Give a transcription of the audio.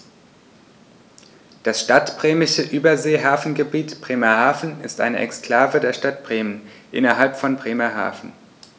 Das Stadtbremische Überseehafengebiet Bremerhaven ist eine Exklave der Stadt Bremen innerhalb von Bremerhaven.